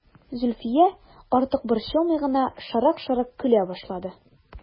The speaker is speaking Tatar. Зөлфия, артык борчылмый гына, шырык-шырык көлә башлады.